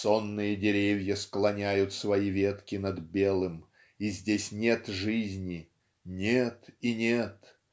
сонные деревья склоняют свои ветки над белым и здесь нет жизни нет и нет